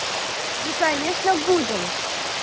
ну конечно будем